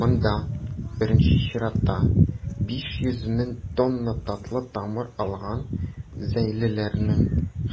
Монда, беренче чиратта, 500 мең тонна татлы тамыр алган зәйлеләрнең